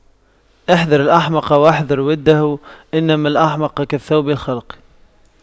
احذر الأحمق واحذر وُدَّهُ إنما الأحمق كالثوب الْخَلَق